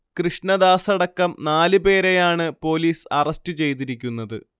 കൃഷ്ണദാസടക്കം നാല് പേരെയാണ് police arrest ചെയ്തിരിക്കുന്നത്